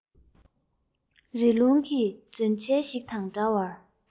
རི ཀླུང གི ལྗོན ཚལ ཞིག དང འདྲ བར